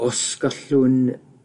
Os gallwn